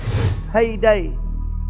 hây đây